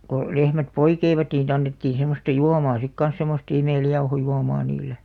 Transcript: kun lehmät poikivat niin siitä annettiin semmoista juomaa sitten kanssa semmoista imeljauhojuomaa niille